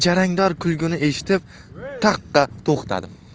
jarangdor kulgini eshitib taqqa to'xtadim